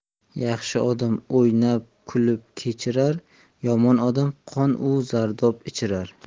yaxshi odam o'ynab kuhb kecbirar yomon odam qon u zardob ichirar